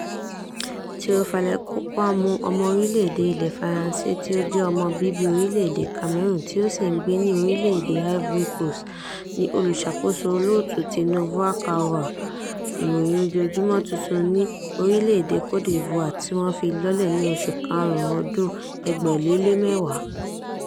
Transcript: Théophile Kouamouo, ọmọ orílẹ̀ èdè Ilẹ̀ Faransé tí ó jẹ́ ọmọ bíbí orílẹ̀ èdè Cameroon tí ó sì ń gbé ní orílẹ̀ èdè Ivory Coast, ní Olùṣàkóso Olóòtú ti Nouveau Courier, ìròyìn ojoojúmọ́ tuntun ti orílẹ̀ èdè Cote d'Ivoire tí wọ́n fi lólẹ̀ ní oṣù Karùn-ún ọdún 2010.